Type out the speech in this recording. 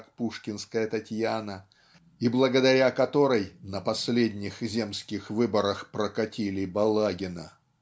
как пушкинская Татьяна и благодаря которой "на последних земских выборах прокатили Балагина".